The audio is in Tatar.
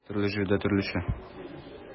Төрле җирдә төрлечә.